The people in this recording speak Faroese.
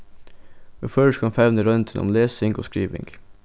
í føroyskum fevnir royndin um lesing og skriving